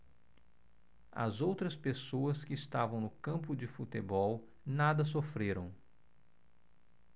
as outras pessoas que estavam no campo de futebol nada sofreram